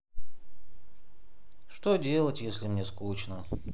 что делать если мне скучно